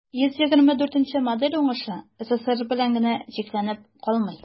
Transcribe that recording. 124 нче модель уңышы ссср белән генә чикләнеп калмый.